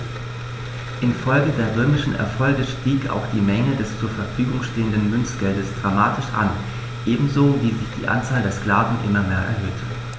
Infolge der römischen Erfolge stieg auch die Menge des zur Verfügung stehenden Münzgeldes dramatisch an, ebenso wie sich die Anzahl der Sklaven immer mehr erhöhte.